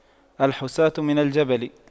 الحصاة من الجبل